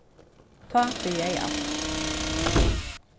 tá byrjaði alt